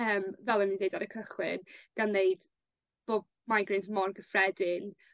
Yym fel o'n i'n deud ar y cychwyn gan ddeud bo' migraines mor gyffredin.